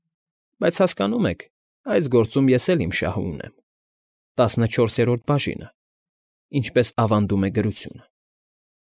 Բայց, հասկանո՞ւմ եք, այս գործում ես էլ իմ շահը ունեմ՝ տասնչորսերորդ բաժինը, ինչպես ավանդում է գրությունը։